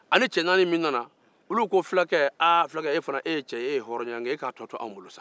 a ni cɛ naani minnu nana olu ko fulakɛ aa fulakɛ e fana e ye cɛ ye e ye hɔrɔn ye e k'a tɔ to anw bolo sa